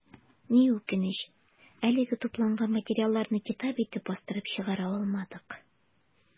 Ни үкенеч, әлегә тупланган материалларны китап итеп бастырып чыгара алмадык.